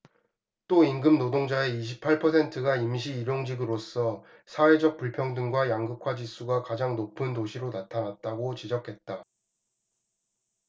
또 임금노동자의 이십 팔 퍼센트가 임시 일용직으로서 사회적 불평등과 양극화 지수가 가장 높은 도시로 나타났다 고 지적했다